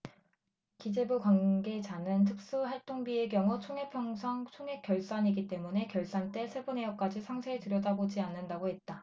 기재부 관계자는 특수활동비의 경우 총액 편성 총액 결산이기 때문에 결산 때 세부 내역까지 상세히 들여다보지 않는다고 했다